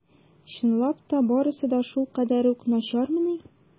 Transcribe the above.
Чынлап та барысы да шулкадәр үк начармыни?